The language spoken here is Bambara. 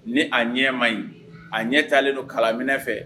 Ni a ɲɛ ma ɲi a ɲɛ taalen don kala minɛ fɛ